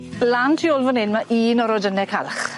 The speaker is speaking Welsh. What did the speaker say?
Lan tu ôl fan 'yn ma' un o rodyne calch.